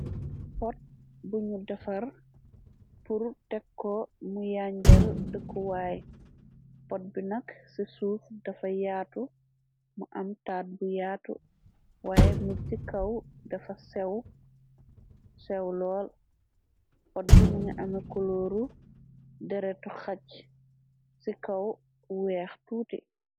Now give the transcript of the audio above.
Pot buñu defar pur tekko mu yanjal dëkuwaay, pot bi nak ci suuf dafa yaatu, mu am taat bu yaatu, waaye muj ci kaw defa sew, sew lool, pot bi mu ngi ame kulóoru deretu xaj, ci kaw weex tuute.